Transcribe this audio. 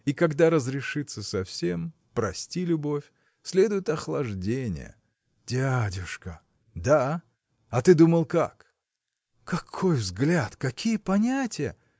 и когда разрешится совсем – прости любовь следует охлаждение. – Дядюшка. – Да! а ты думал как? – Какой взгляд! какие понятия!